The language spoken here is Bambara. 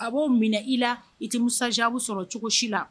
A b'o minɛ i la i tɛ musabu sɔrɔ cogo si la